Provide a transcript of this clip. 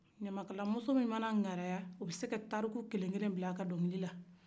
ɲamakala muso min mana ngara ya o bɛ se ka tariku kelen kelen bila a ka donkilila